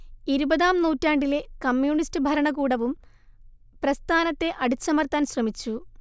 ഇരുപതാം നൂറ്റാണ്ടിലെ കമ്മ്യൂണിസ്റ്റു ഭരണകൂടവും പ്രസ്ഥാനത്തെ അടിച്ചമർത്താൻ ശ്രമിച്ചു